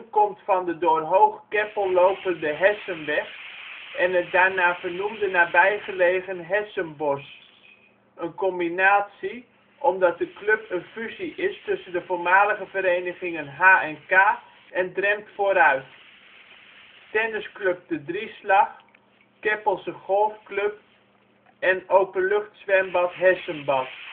komt van de door Hoog-Keppel lopende Hessenweg en het daarnaar vernoemde nabijgelegen Hessenbos, en combinatie, omdat de club een fusie is tussen de voormalige verenigingen H&K en Drempt Vooruit Tennisclub de drieslag Keppelse golfclub Openlucht zwembad Hessenbad